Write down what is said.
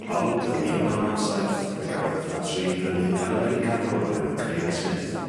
Ond ym mil naw naw saith fe gafodd y ffatri 'i brynu gan Americanwr o'r enw Craig Smith.